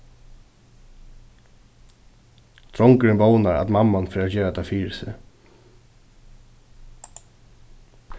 drongurin vónar at mamman fer at gera tað fyri seg